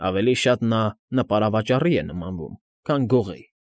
Ավելի շատ նա նպարավաճառի է նմանվում, քան գողի։